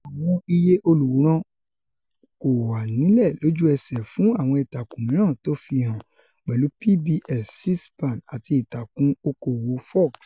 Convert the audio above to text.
Àwọn iye olùwòran kòwá nílẹ̀ lójú ẹsẹ fún àwọn ìtàkùn mìíràn tó fi i hàn, pẹ̀lú PBS, C-SPAN àti Ìtàkùn Oko-òwò Fox.